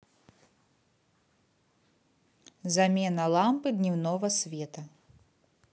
замена лампы дневного света